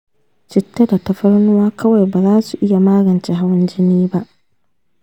citta da tafarnuwa kawai ba zasu iya magance hawan jini ba.